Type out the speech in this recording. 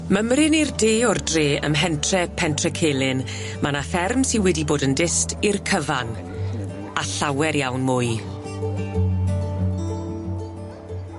Mymryn i'r de o'r dre ym mhentre Pentre Celyn ma' 'na fferm sy wedi bod yn dyst i'r cyfan, a llawer iawn mwy.